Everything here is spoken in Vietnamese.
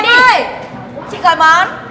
ơi chị gọi món